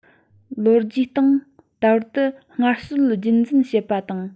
ལོ རྒྱུས སྟེང ད བར དུ སྔར སྲོལ རྒྱུན འཛིན བྱེད པ དང